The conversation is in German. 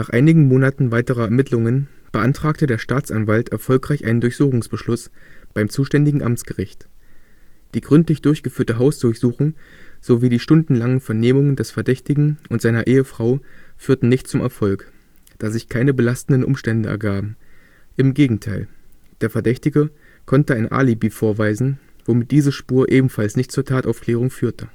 einigen Monaten weiterer Ermittlungen beantragte der Staatsanwalt erfolgreich einen Durchsuchungsbeschluss beim zuständigen Amtsgericht. Die gründlich durchgeführte Hausdurchsuchung sowie die stundenlangen Vernehmungen des Verdächtigen und seiner Ehefrau führten nicht zum Erfolg, da sich keine belastenden Umstände ergaben. Im Gegenteil: Der Verdächtige konnte ein Alibi vorweisen, womit diese Spur ebenfalls nicht zur Tataufklärung führte